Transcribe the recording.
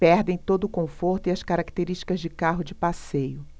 perdem todo o conforto e as características de carro de passeio